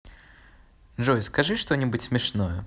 джой скажи что нибудь смешное